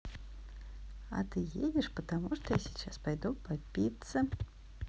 а ты едешь потому что я сейчас пойду по пицце